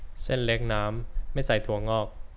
เส้นเล็กน้ำไม่ใส่ถั่วงอก